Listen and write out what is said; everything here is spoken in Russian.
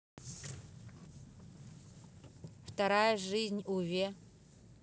вторая жизнь уве